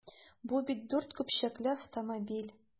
Бу бит дүрт көпчәкле автомобиль!